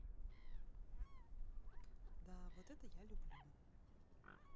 да вот это я люблю